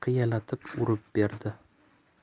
qiyalatib urib berdi